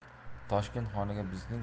toshkent xoniga bizning